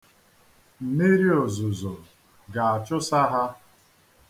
Mmiri ozuzo ga-achụsa ha.